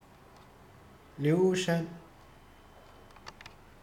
ལིའུ ཡུན ཧྲན